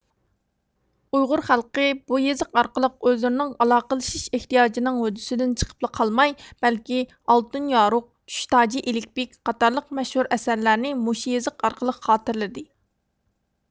ئۇيغۇر خەلقى بۇ يېزىق ئارقىلىق ئۆزلىرىنىڭ ئالاقىلىشىش ئېھتىياجىنىڭ ھۆددىسىدىن چىقىپلا قالماي بەلكى ئالتۇن يارۇق چۈشتانى ئىلىك بىگ قاتارلىق مەشھۇر ئەسەرلەرنى مۇشۇ يېزىق ئارقىلىق خاتىرىلىدى